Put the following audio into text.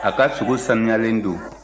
a ka sogo saniyalen don